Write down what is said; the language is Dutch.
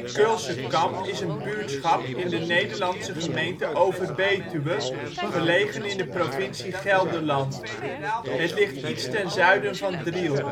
Keulse Kamp is een buurtschap in de Nederlandse gemeente Overbetuwe, gelegen in de provincie Gelderland. Het ligt iets ten zuiden van Driel